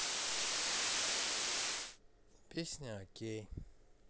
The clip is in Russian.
песня окей